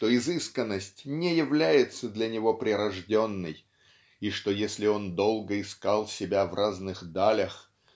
что изысканность не является для него прирожденной и что если он долго искал себя в разных далях